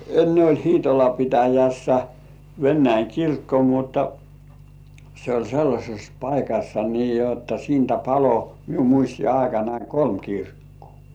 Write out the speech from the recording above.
ennen oli Hiitolan pitäjässä Venäjän kirkko mutta se oli sellaisessa paikassa niin jotta siitä paloi minun muistiaikanani kolme kirkkoa